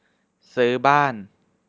ซื้อบ้าน